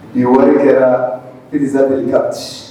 Nin wari kɛra isa ka